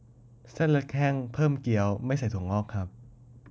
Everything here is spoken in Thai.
เส้นเล็กแห้งเพิ่มเกี๊ยวไม่ใส่ถั่วงอกครับ